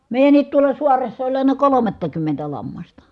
meidänkin tuolla saaressa oli aina kolmattakymmentä lammasta